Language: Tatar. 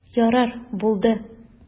Ярар, булды.